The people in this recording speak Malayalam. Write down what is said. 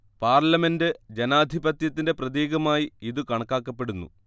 പാർലമെന്റ് ജനാധിപത്യത്തിന്റെ പ്രതീകമായി ഇതു കണക്കാക്കപ്പെടുന്നു